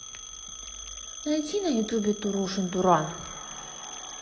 найди на ютубе турушин дуран